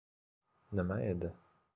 nima edi